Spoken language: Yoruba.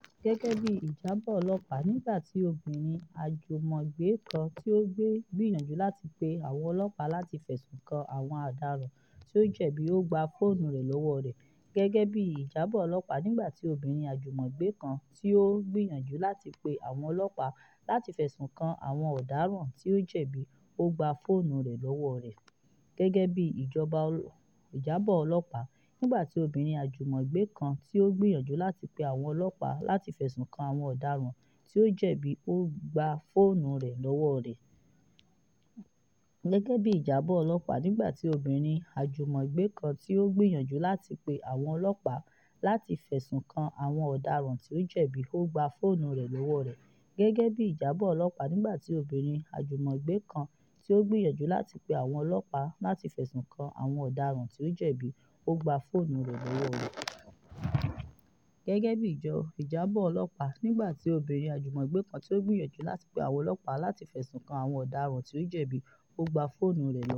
Gẹ́gẹ́ bí ìjábọ̀ ọlọ́pàá, nígbà tí obìnrin àjùmọ̀gbé kan tí ó gbìyànjú láti pe àwọn ọlọ́pàá lati fẹ̀sùn kan àwọn ọ̀daràn tí ó jẹ̀bi,ó gba fóònù rẹ lọwọ́ rẹ̀